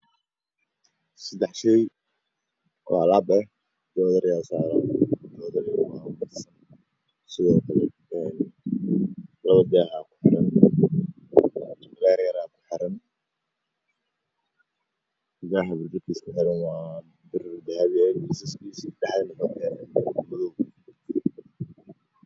Sadex shay oo alaaba ayaasaaran laba daahaa ku xidhan